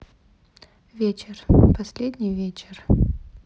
вечер последний вечер